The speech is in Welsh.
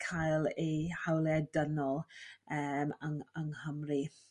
cael eu hawliau dynol yym yng yng Nghymru.